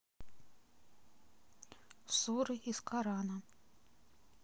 суры из корана